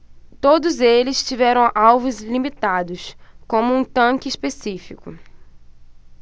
todos eles tiveram alvos limitados como um tanque específico